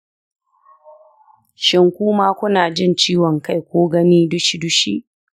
shin kuma ku na jin ciwon-kai ko gani dushi-dushi